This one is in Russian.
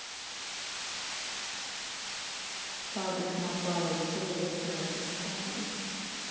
public mobile дула против страны